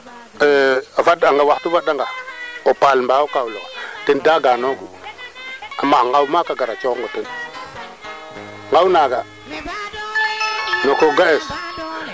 merci beaucoup Mame Waly i inoora nga coté kemandale qola ke i mofat cunga foof la roog yakarano yo fo aussi o naanga ne'a gon ndiing aussi